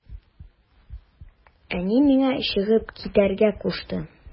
Әни миңа чыгып китәргә кушты.